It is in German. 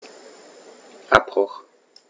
Abbruch.